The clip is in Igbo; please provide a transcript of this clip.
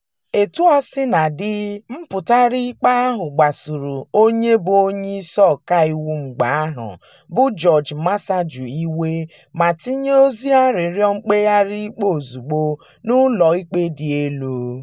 Etuosinadị, mpụtara ikpe ahụ kpasuru onye bụ Onyeisi Ọkaiwu mgbe ahụ bụ George Masaju iwe ma tinye ozi arịrịọ mkpegharị ikpe ozugbo n'Ụlọikpe Dị Elu: